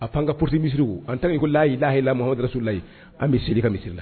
A pankapuruti misiriw, en tant que i b'a fɔ Layilaha i lala Mohamadu Rasululayi , anw bɛ seli i ka misiri la